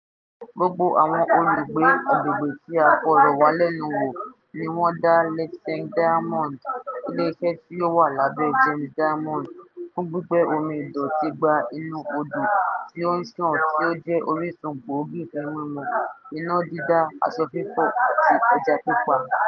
Gbogbo àwọn olùgbé àgbègbè tí a fọ̀rọ̀wálẹ́nuwò ni wọ́n dá Letseng Diamonds - ilé iṣẹ́ tí ó wà lábẹ́ Gems Diamonds - fún gbígbé omi ìdọ̀tí gba inú Odò tí ó ń ṣàn tí ó jẹ́ orísun gbòógì fún mímu, iná dídá, aṣọ fífọ̀, àti ẹja pípa